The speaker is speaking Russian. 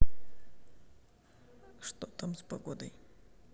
что там с погодой